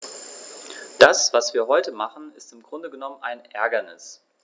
Das, was wir heute machen, ist im Grunde genommen ein Ärgernis.